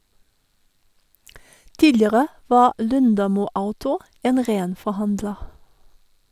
Tidligere var Lundamo Auto en ren forhandler.